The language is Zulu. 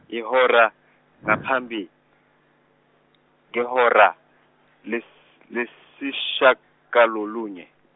ihora, ngaphambi, kwehora, lesi- lesishagalolunye.